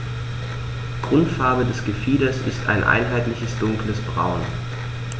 Grundfarbe des Gefieders ist ein einheitliches dunkles Braun.